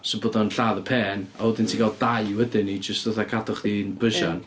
So bod o'n lladd y pain. A wedyn ti'n cael dau wedyn i jyst fatha cadw chdi'n bysian... ia.